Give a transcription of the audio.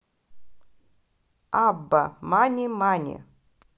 абба мани мани